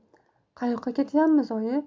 qayoqqa ketyapmiz oyi